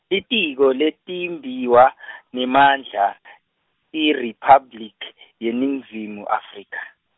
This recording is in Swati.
Litiko leTimbiwa , nemandla , IRiphabliki yeNingizimu Afrika.